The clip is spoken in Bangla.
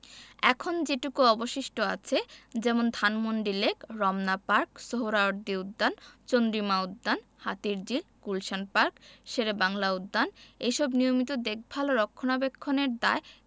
এখন যেটুকু অবশিষ্ট আছে যেমন ধানমন্ডি লেক রমনা পার্ক সোহ্রাওয়ার্দী উদ্যান চন্দ্রিমা উদ্যান হাতিরঝিল গুলশান পার্ক শেরেবাংলা উদ্যান এসব নিয়মিত দেখভাল ও রক্ষণাবেক্ষণের দায়